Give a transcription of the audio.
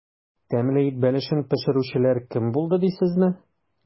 Тәмле ит бәлешен пешерүчеләр кем булды дисезме?